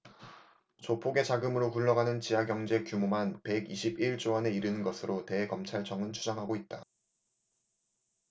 조폭의 자금으로 굴러가는 지하경제 규모만 백 이십 일 조원에 이르는 것으로 대검찰청은 추정하고 있다